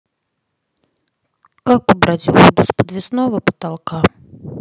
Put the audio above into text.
как убрать воду с подвесного потолка